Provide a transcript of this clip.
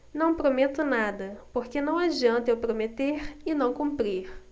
não prometo nada porque não adianta eu prometer e não cumprir